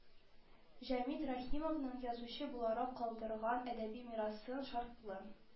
Җәмит Рәхимовның язучы буларак калдырган әдәби мирасын шартлы